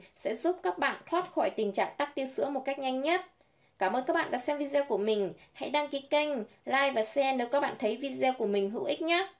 sẽ giúp các bạn thoát khỏi tình trạng tắc tia sữa một cách nhanh nhất cảm ơn các bạn đã xem video của mình hãy đăng ký kênh like và share nếu bạn thấy video của mình hữu ích nhé